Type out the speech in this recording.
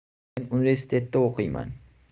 men universitetda o'qiyman